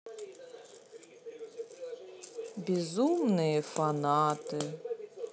безумные фанаты